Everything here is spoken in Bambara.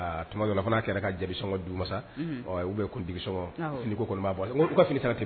Tumala fana kɛra ka jelisɔngɔ di ma u bɛ kun diigisɔngɔ ni ko kɔnɔ' bɔ